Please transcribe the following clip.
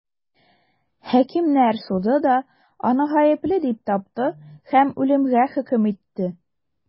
Хакимнәр суды да аны гаепле дип тапты һәм үлемгә хөкем итте.